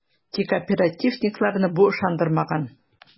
Тик оперативникларны бу ышандырмаган ..